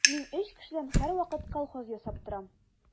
Мин өч кешедән һәрвакыт колхоз ясап торам.